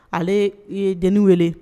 Ale deni wele